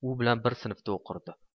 u bilan bir sinfda o'qirdi